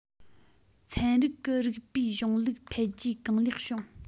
ཚན རིག གི རིགས པའི གཞུང ལུགས འཕེལ རྒྱས གང ལེགས བྱུང